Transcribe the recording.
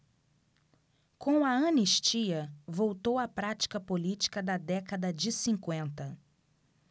com a anistia voltou a prática política da década de cinquenta